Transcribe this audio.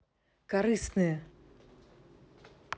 корыстные